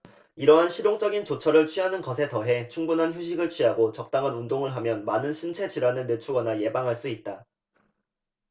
이러한 실용적인 조처를 취하는 것에 더해 충분한 휴식을 취하고 적당한 운동을 하면 많은 신체 질환을 늦추거나 예방할 수 있다